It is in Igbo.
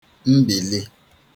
mbili